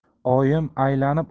oyim aylanib o'rgilib